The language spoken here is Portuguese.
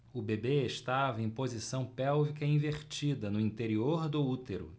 o bebê estava em posição pélvica invertida no interior do útero